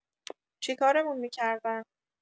چیکارمون می‌کردن؟